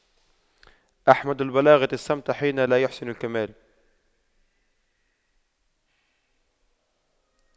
أحمد البلاغة الصمت حين لا يَحْسُنُ الكلام